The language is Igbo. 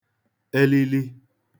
elili